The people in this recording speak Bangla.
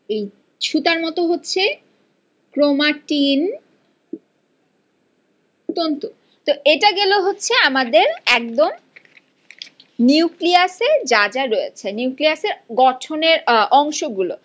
এ সুতার মতো হচ্ছে ক্রোমাটিন তন্তু তো এটা গেল হচ্ছে আমাদের একদম নিউক্লিয়াসে যা যা রয়েছে নিউক্লিয়াসের গঠনের অংশগুলো